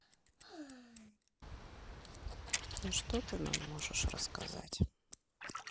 а что ты нам можешь рассказать